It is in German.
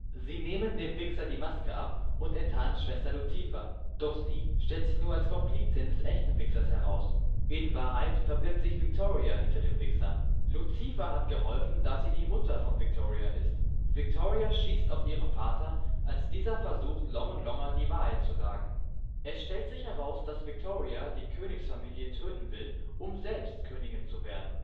Sie nehmen dem Wixxer die Maske ab und enttarnen Schwester Lucipha, doch sie stellt sich nur als Komplizin des echten Wixxers heraus. In Wahrheit verbirgt sich Victoria hinter dem Wixxer. Lucipha hat geholfen, da sie die Mutter von Victoria ist. Victoria schießt auf ihren Vater als dieser versucht, Long und Longer die Wahrheit zu sagen. Es stellt sich heraus, dass Victoria die Königsfamilie töten will, um selbst Königin zu werden